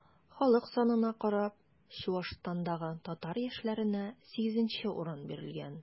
Халык санына карап, Чуашстандагы татар яшьләренә 8 урын бирелгән.